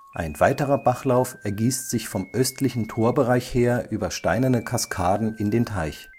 Ein weiterer Bachlauf ergießt sich vom östlichen Torbereich her über steinerne Kaskaden in den Teich